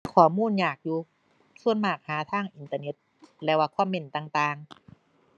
ข้อมูลยากอยู่ ส่วนมากหาทางอินเทอร์เน็ต และว่าคอมเมนต์ต่างต่าง